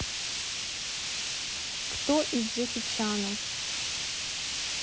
кто из джеки чана